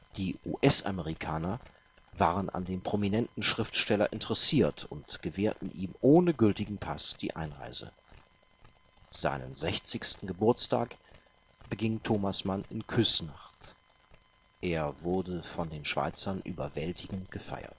Die US-Amerikaner waren an dem prominenten Schriftsteller interessiert und gewährten ihm ohne gültigen Pass die Einreise. Seinen sechzigsten Geburtstag beging Thomas Mann in Küsnacht, er wurde von den Schweizern überwältigend gefeiert